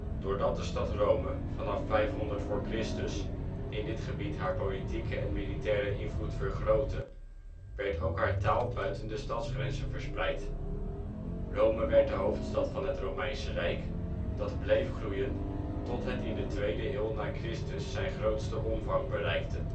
Doordat de stad Rome vanaf 500 v.Chr. in dit gebied haar politieke en militaire invloed vergrootte, werd ook haar taal buiten de stadsgrenzen verspreid. Rome werd de hoofdstad van het Romeinse Rijk, dat bleef groeien tot het in de tweede eeuw na Christus zijn grootste omvang bereikte